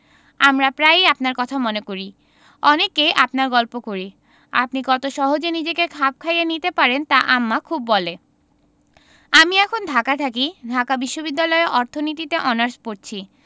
আমরা প্রায়ই আপনারর কথা মনে করি অনেককেই আপনার গল্প করি আপনি কত সহজে নিজেকে খাপ খাইয়ে নিতে পারেন তা আম্মা খুব বলে আমি এখন ঢাকা থাকি ঢাকা বিশ্ববিদ্যালয়ে অর্থনীতিতে অনার্স পরছি